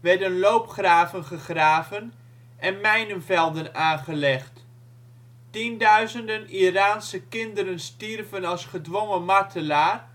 werden loopgraven gegraven en mijnenvelden aangelegd. Tienduizenden Iraanse kinderen stierven als gedwongen martelaar